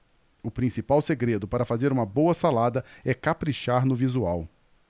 o principal segredo para fazer uma boa salada é caprichar no visual